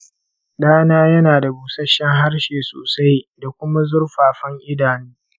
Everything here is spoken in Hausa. ɗana yana da bushashshen harshe sosai da kuma zurfafafan idanu